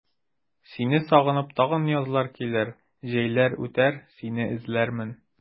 Сине сагынып тагын язлар килер, җәйләр үтәр, сине эзләрмен.